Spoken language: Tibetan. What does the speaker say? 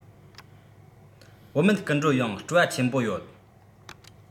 བུད མེད སྐུ མགྲོན ཡང སྤྲོ བ ཆེན པོ ཡོད